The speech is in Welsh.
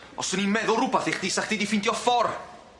Os o'n i'n meddwl rwbath i chdi sa chdi 'di ffindio ffor!